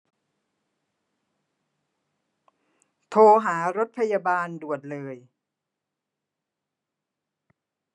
โทรหารถพยาบาลด่วนเลย